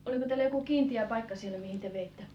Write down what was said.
oliko teillä joku kiinteä paikka siellä mihin te veitte